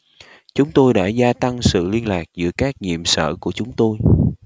chúng tôi đã gia tăng sự liên lạc giữa các nhiệm sở của chúng tôi